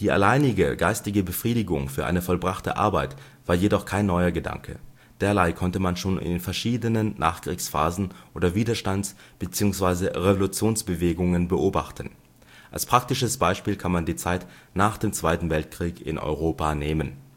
alleinige, geistige Befriedigung für eine vollbrachte Arbeit war jedoch kein neuer Gedanke. Dererlei konnte man schon in verschiedenen Nachkriegsphasen oder Widerstands - bzw. Revolutionsbewegungen beobachten. Als praktisches Beispiel kann man die Zeit nach dem Zweiten Weltkrieg in Europa nehmen